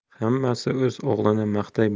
hammasi o'z o'g'lini maqtay